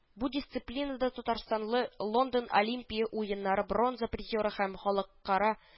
Бу дисциплинада татарстанлы, Лондон Олимпия уеннары бронза призеры һәм Халыкара